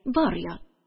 Бар, ят